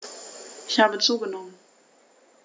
Ich habe zugenommen.